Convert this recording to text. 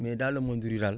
mais dans le monde rural